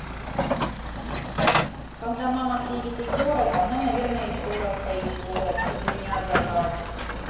когда мама приедет из города она наверное еще раз поедет в город чтобы меня забрать